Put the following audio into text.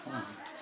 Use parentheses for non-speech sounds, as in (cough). (hesitation) (hesitation)